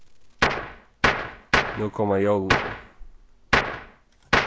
nú koma jólini